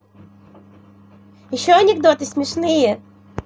еще анекдоты смешные